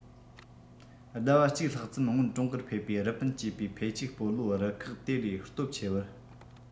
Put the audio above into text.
ཟླ བ གཅིག ལྷག ཙམ སྔོན ཀྲུང གོར ཕེབས པའི རི པིན སྐྱེས པའི ཕའེ ཆིའུ སྤོ ལོ རུ ཁག དེ ལས སྟོབས ཆེ བར